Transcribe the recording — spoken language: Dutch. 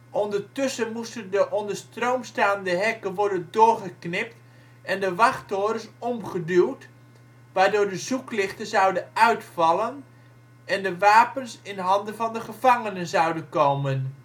Ondertussen moesten de onder stroom staande hekken worden doorgeknipt en de wachttorens omgeduwd, waardoor de zoeklichten zouden uitvallen en de wapens in handen van de gevangenen zouden komen